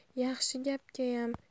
yaxshi gapgayam